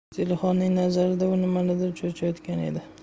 zelixonning nazarida u nimadandir cho'chiyotganday edi